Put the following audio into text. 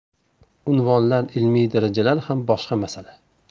unvonlar ilmiy darajalar ham boshqa masala